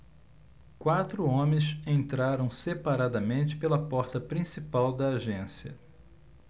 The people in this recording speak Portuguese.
quatro homens entraram separadamente pela porta principal da agência